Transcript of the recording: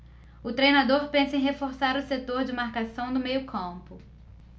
o treinador pensa em reforçar o setor de marcação do meio campo